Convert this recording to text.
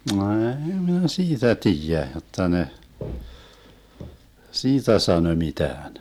ei minä siitä tiedä jotta ne siitä sanoi mitään